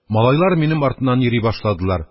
Малайлар минем артымнан йөри башладылар.